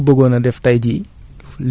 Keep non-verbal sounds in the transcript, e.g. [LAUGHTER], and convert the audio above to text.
[HESITATION] [HESITATION] vas y continues